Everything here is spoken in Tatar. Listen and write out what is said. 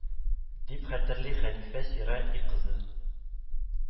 Дип хәтерли хәнифә сира и кызы